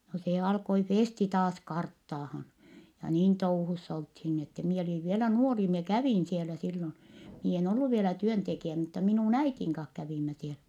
no se alkoi Festi taas karttaamaan ja niin touhussa oltiin niin että minä olin vielä nuori minä kävin siellä silloin minä en ollut vielä työntekijä mutta minun äidin kanssa kävimme siellä